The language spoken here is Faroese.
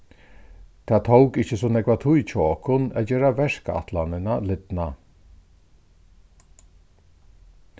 tað tók ikki so nógva tíð hjá okkum at gera verkætlanina lidna